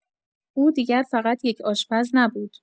او دیگر فقط یک آشپز نبود.